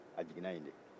a jiginna yen de